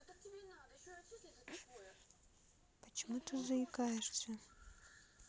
почему ты заикаешься